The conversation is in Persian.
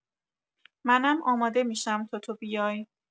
منم آماده می‌شم تا تو بیای.